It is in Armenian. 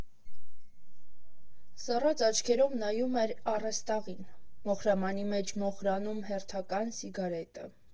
Սառած աչքերով նայում էր առաստաղին, մոխրամանի մեջ մոխրանում հերթական սիգարետը։